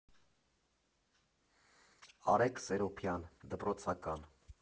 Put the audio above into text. Արեգ Սերոբյան, դպրոցական։